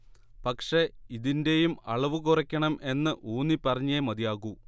പക്ഷെ ഇതിന്റെയും അളവ് കുറക്കണം എന്ന് ഊന്നി പറഞ്ഞേ മതിയാകൂ